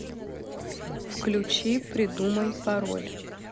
включи придумай пароль